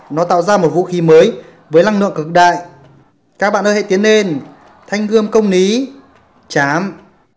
tạo ra một vũ khí mới với năng lượng cực đại các bạn ơi tiến lên thanh gương công lý trảm